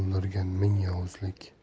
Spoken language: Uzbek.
oldirgan ming yozug'lik